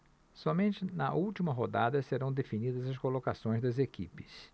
somente na última rodada serão definidas as colocações das equipes